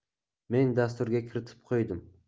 men dasturga kiritib qo'ydim